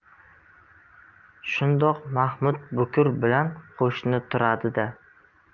shundoq mahmud bukur bilan qo'shni turadi da